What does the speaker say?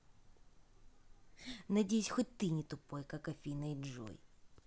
надеюсь хоть ты не тупой как афина и джой